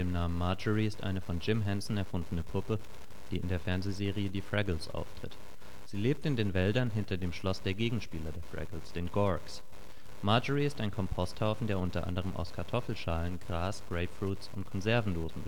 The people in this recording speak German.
Namen Marjorie ist eine von Jim Henson erfundene Puppe, die in der Fernsehserie Die Fraggles auftritt. Sie lebt in den Wäldern hinter dem Schloss der Gegenspieler der Fraggles, den Gorgs. Marjorie ist ein Komposthaufen, der unter anderem aus Kartoffelschalen, Gras, Grapefruits